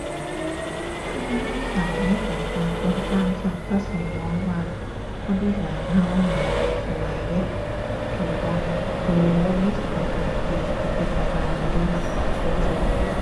ผู้หญิงอีสานในสายตาคนต่างชาติ เขาสิมองว่าคนอีสานเรานี่ สวยเดะ ผิวดำ ดูแลมีสุขภาพดี แล้วเราเป็นแม่บ้านแม่เรือน รักครอบครัวพร้อม